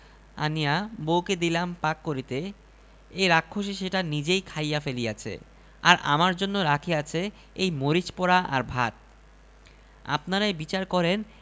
রহিম আশ্চর্য হইয়া মাছটি ধরিয়া লইয়া বাড়ি ফিরিয়া আসিল তারপর বউকে বলিল লাঙলের তলায় এই তাজা শোলমাছটি পাইলাম